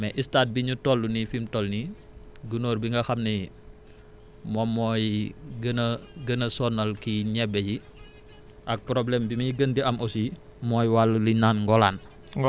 waa mais stade bi ñu toll nii fi mu toll nii gunóor bi nga xam ne moom mooy gën a gën a sonal kii ñebe ji ak problème bi muy gën a am aussi mooy wàllu li ñu naan ngolaan